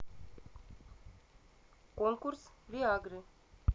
конкурс виагры